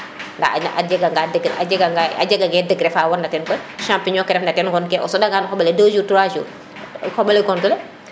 nda a jega nga degrés a ja ngange degrés fa ref na teen moy champillons ke ref na teen ŋon ke soɗa ngan xoɓole 2 jours 3 jours xoɓole